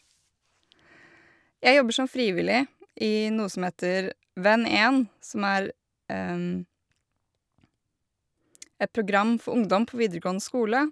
Jeg jobber som frivillig i noe som heter Venn 1, som er et program for ungdom på videregående skole.